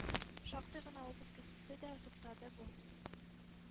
Шактый гына узып китте дә туктады бу.